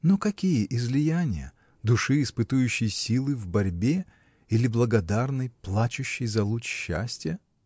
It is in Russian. Но какие излияния: души, испытующей силы в борьбе, или благодарной, плачущей за луч счастья?.